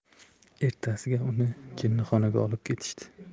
ertasiga uni jinnixonaga olib ketishdi